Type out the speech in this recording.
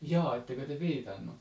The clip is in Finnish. jaa ettekö te piitannut